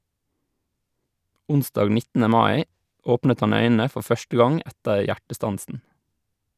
Onsdag 19. mai åpnet han øynene for første gang etter hjertestansen.